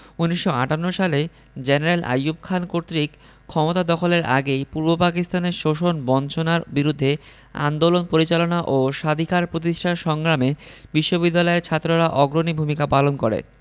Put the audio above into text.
১৯৫৮ সালে জেনারেল আইয়ুব খান কর্তৃক ক্ষমতা দখলের আগেই পূর্ব পাকিস্তানে শোষণ বঞ্চনার বিরুদ্ধে আন্দোলন পরিচালনা ও স্বাধিকার প্রতিষ্ঠার সংগ্রামে বিশ্ববিদ্যালয়ের ছাত্ররা অগ্রণী ভূমিকা পালন করে